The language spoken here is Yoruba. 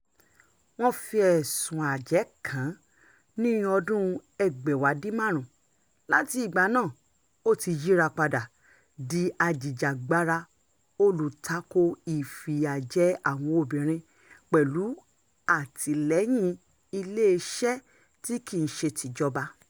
Wọ́n fi ẹ̀sùn-un àjẹ́ kàn-án ní ọdún-un 1995. Láti ìgbà náà, ó ti yírapadà di ajìjàǹgbara olùtako ìfìyàjẹ àwọn obìnrin pẹ̀lú àtìléyìn Ilé-iṣẹ́-tí-kìí-ṣe-tìjọba.